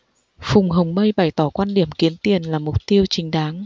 phùng hồng mây bày tỏ quan điểm kiếm tiền là mục tiêu chính đáng